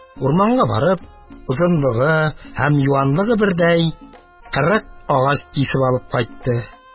Урманга барып, озынлыгы һәм юанлыгы бердәй кырык агач кисеп алып кайтты.